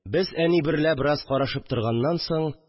Без әни берлә бераз карашып торганнан соң